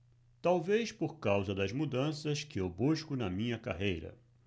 talvez por causa das mudanças que eu busco na minha carreira